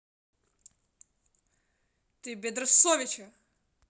ты бедросовича